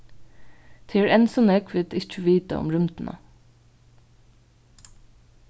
tað er enn so nógv vit ikki vita um rúmdina